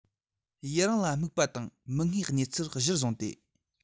ཡུན རིང ལ དམིགས པ དང མིག སྔའི གནས ཚུལ གཞིར བཟུང སྟེ